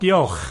Diolch.